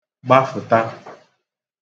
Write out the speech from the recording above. gbapə̣̀ta